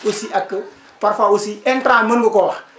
aussi ak parfois aussi intrants yi mën nga koo wax